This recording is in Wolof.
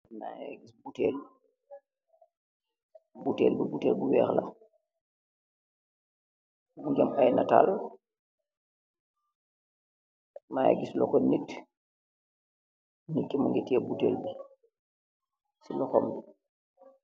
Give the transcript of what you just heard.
Butal butal bi butal bu weex la mugi am ay nataal mage gis loko nit nitki mu ngi teyeh butal bi ci loxom bi.